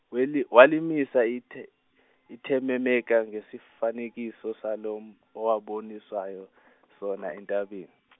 weli- walimisa ite- itememaka- njengesifanekiso salo om-, owaboniswayo sona entabeni.